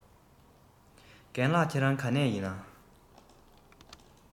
རྒན ལགས ཁྱེད རང ག ནས ཡིན ན